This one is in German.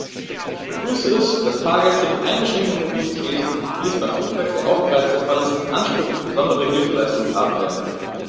Ich begrüße es, dass Fahrgäste mit eingeschränkter Mobilität, wie es beim Flugverkehr auch bereits der Fall ist, Anspruch auf besondere Hilfeleistung haben werden.